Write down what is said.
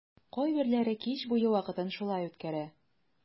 Кайберләре кич буе вакытын шулай үткәрә.